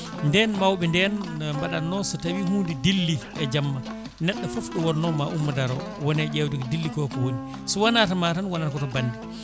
nden mawɓe nden ne mbaɗanno so tawi hunde dilli e jamma neɗɗo foof ɗo wonno ma ummo daaro wone ƴewde ko dilli ko ko woni so wona to ma tan wonata koto bande